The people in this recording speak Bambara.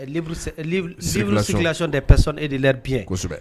Sivsilati de psi e de la bi kosɛbɛ